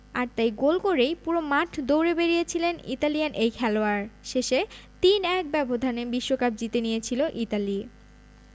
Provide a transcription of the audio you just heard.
আর তাই গোল করেই পুরো মাঠ দৌড়ে বেড়িয়েছিলেন ইতালিয়ান এই খেলোয়াড় শেষে ৩ ১ ব্যবধানে বিশ্বকাপ জিতে নিয়েছিল ইতালি